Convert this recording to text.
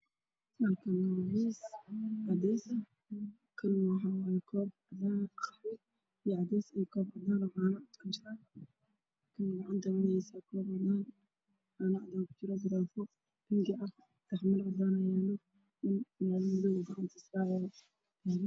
Halkaan waa miis cadaan waxaa saaran koob cadaan ah, qaxwi iyo cadeys ah, koob caano cadaana kujiraan, saxan cadaan, gaaafo bingi.